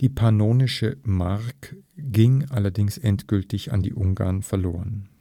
Pannonische Mark ging allerdings endgültig an die Ungarn verloren